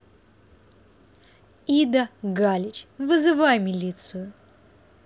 ida galich вызывай милицию